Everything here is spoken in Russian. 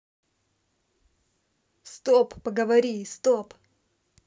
стоп поговори стоп